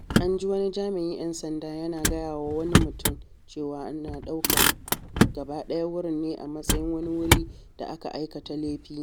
An ji wani jami’in ‘yan sanda yana gaya wa wani mutum cewa ana ɗaukan gaba ɗaya wurin a matsayin wani wuri da aka aikata laifi.